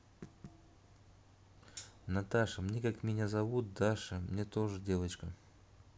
наташа мне как меня зовут даша мне тоже девочка